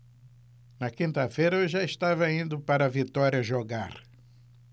na quinta-feira eu já estava indo para vitória jogar